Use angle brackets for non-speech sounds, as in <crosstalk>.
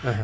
<hesitation> <hesitation>